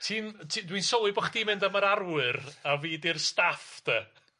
Ti'n ti dwi'n sylwi bo' chdi'n mynd am yr arwyr a fi di'r staff de.